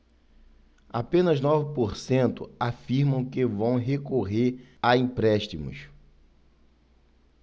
apenas nove por cento afirmam que vão recorrer a empréstimos